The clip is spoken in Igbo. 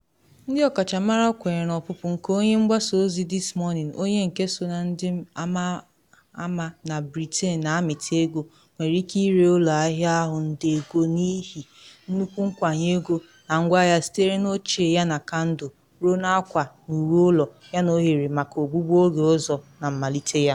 Ndị ọkachamara kwenyere na ọpụpụ nke onye mgbasa ozi This Morning, onye nke so na ndị ama ama na Britain na amịta ego, nwere ike iri ụlọ ahịa ahụ nde ego n’ihi nnukwu nkwanye ego na ngwaahịa sitere na oche yana kandụl ruo n’akwa na uwe ụlọ, yana ohere maka ogbugbu oge ọzọ na mmalite ya.